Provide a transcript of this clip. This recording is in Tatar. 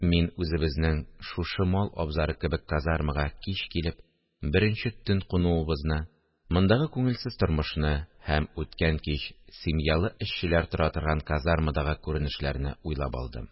Мин үзебезнең шушы мал абзары кебек казармага кич килеп, беренче төн кунуыбызны, мондагы күңелсез тормышны һәм үткән кич семьялы эшчеләр тора торган казармадагы күренешләрне уйлап алдым